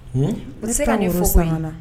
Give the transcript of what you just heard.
Hun,